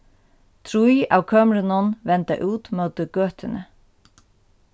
trý av kømrunum venda út móti gøtuni